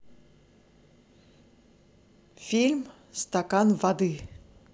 фильм стакан воды